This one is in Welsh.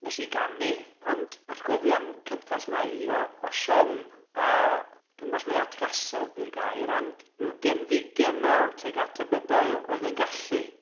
Wnes i ganu, ond atgofion cynta sy gynna i o o siom. A dwi'm gwybod os mai atgasedd ydy'r gair, ond ryw genfigen mawr tuag at y bobl oedd yn gallu.